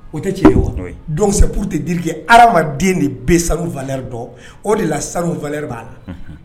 O tɛ tiɲɛ wa donpu tɛ dike ha adamadamaden de bɛ sanufa dɔn o de la sanufaɛ b'a la